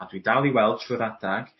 a dwi dal i weld trw'r adag